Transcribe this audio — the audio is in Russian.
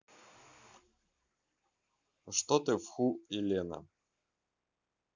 что ты who елена